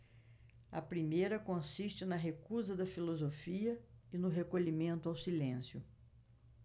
a primeira consiste na recusa da filosofia e no recolhimento ao silêncio